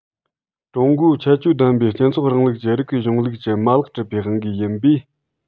ཀྲུང གོའི ཁྱད ཆོས ལྡན པའི སྤྱི ཚོགས རིང ལུགས ཀྱི རིགས པའི གཞུང ལུགས ཀྱི མ ལག གྲུབ པའི དབང གིས ཡིན པས